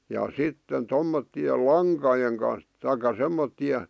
ja sitten tuollaisten lankojen kanssa tai semmoisten